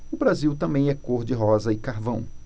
o brasil também é cor de rosa e carvão